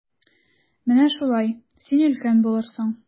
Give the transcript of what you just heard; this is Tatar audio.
Менә шулай, син өлкән булырсың.